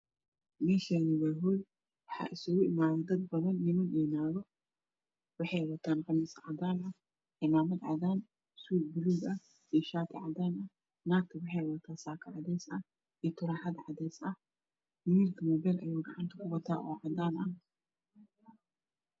Meeshaan waa howl waxaa iskugu imaaday niman iyo naago waxay wataan qamiis cadaan ah cimaamad cadaan ah suud baluug ah iyo shaati cadaan ah naagta waxay wadataa saako cadays ah iyo turaaxad cadays ah wiilka moobeel ayuu gacanta ku wataa cadaan ah.